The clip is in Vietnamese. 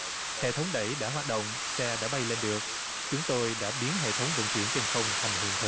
hệ thống đẩy đã hoạt động xe đã bay lên được chúng tôi đã biến hệ thống vận chuyển trên không thành hiện thực